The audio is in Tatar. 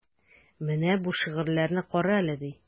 Менә бу шигырьләрне карале, ди.